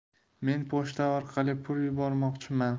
men pochta orqali pul yubormoqchiman